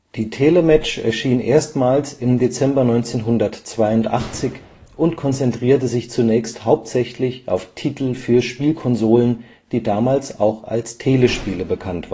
Die TeleMatch erschien erstmals im Dezember 1982 und konzentrierte sich zunächst hauptsächlich auf Titel für Spielkonsolen, die damals auch als Telespiele bekannt